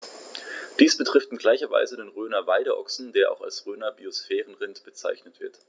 Dies betrifft in gleicher Weise den Rhöner Weideochsen, der auch als Rhöner Biosphärenrind bezeichnet wird.